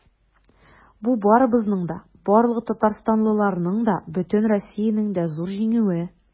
Бу барыбызның да, барлык татарстанлыларның да, бөтен Россиянең дә зур җиңүе.